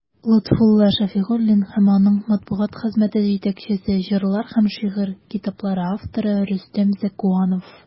Лотфулла Шәфигуллин һәм аның матбугат хезмәте җитәкчесе, җырлар һәм шигырь китаплары авторы Рөстәм Зәкуанов.